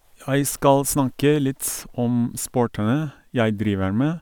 Jeg skal snakke litt om sportene jeg driver med.